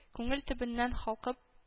Күңел төбеннән халкып